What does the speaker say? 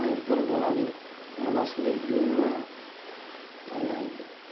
aybdor bolaning onasini yumma talaydi